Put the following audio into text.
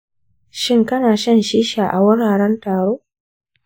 shin kana shan shisha a wuraren taro?